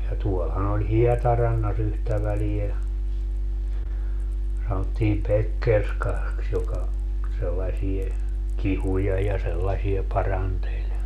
ja tuollahan oli Hietarannassa yhtä väliä sanottiin Pekkerskaksi joka sellaisia kihuja ja sellaisia paranteli